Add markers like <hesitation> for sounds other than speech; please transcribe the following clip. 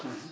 <hesitation> <hesitation>